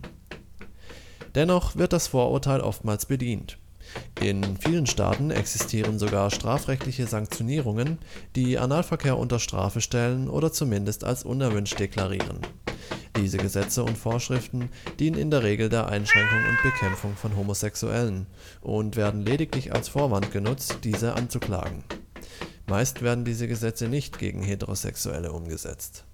Dennoch wird das Vorurteil oftmals bedient. In vielen Staaten existieren sogar strafrechtliche Sanktionierungen, die Analverkehr unter Strafe stellen oder zumindest als unerwünscht deklarieren. Diese Gesetze und Vorschriften dienen in der Regel der Einschränkung und Bekämpfung von Homosexuellen und werden lediglich als Vorwand genutzt, diese anzuklagen. Meist werden diese Gesetze nicht gegen Heterosexuelle umgesetzt